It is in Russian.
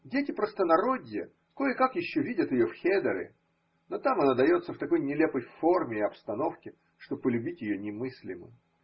Дети простонародья кое-как еще видят ее в хедере, но там она дается в такой нелепой форме и обстановке, что полюбить ее немыслимо.